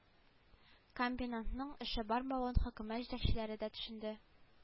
Комбинатның эше бармавын хөкүмәт җитәкчеләре дә төшенде